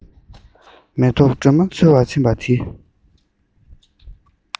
མེ ཏོག སྒྲོན མ འཚོལ བར ཕྱིན པ དེ